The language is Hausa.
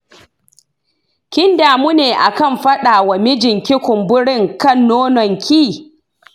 kin damu ne akan fadawa mijinki kumburin kan nononki?